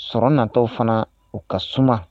Sɔrɔ natɔ fana u ka suma